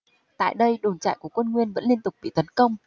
tại đây đồn trại của quân nguyên vẫn liên tục bị tấn công